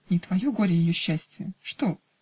-- Не твое горе -- ее счастие. Что?